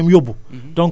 jël na ngooñam yóbbu